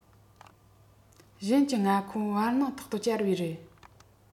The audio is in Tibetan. གཞན གྱི མངའ ཁོངས བར སྣང ཐོག ཏུ བསྐྱལ བའི རེད